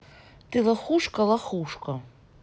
ты лохушка лохушка